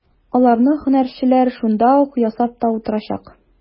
Аларны һөнәрчеләр шунда ук ясап та утырачак.